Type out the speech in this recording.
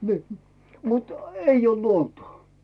niin mutta ei ole luontoa